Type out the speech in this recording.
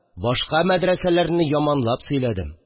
Башка мәдрәсәләрне яманлап сөйләдем